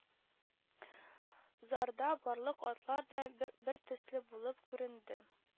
Зарда барлык атлар да бертөсле булып күренде